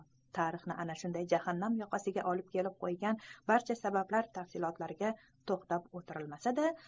tarixni ana shunday jahannam yoqasiga olib kelib qo'ygan barcha sabablar tafsilotlariga to'xtab o'tirilmasa da